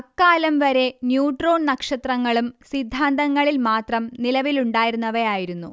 അക്കാലം വരെ ന്യൂട്രോൺ നക്ഷത്രങ്ങളും സിദ്ധാന്തങ്ങളിൽ മാത്രം നിലവിലുണ്ടായിരുന്നവയായിരുന്നു